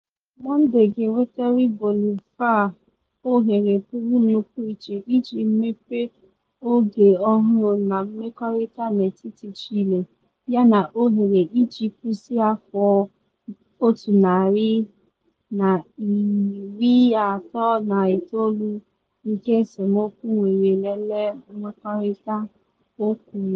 Mọnde ga-ewetere Bolivia “ohere pụrụ nnukwu iche iji mepee oge ọhụrụ na mmerịkọta n’etiti Chile” yana ohere iji “kwụsị afọ 139 nke esemokwu nwere elele nwekọrịta,” o kwuru.